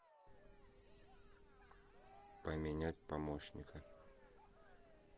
поменять помощника